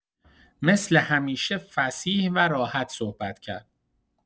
مثل همیشه فصیح و راحت صحبت کرد.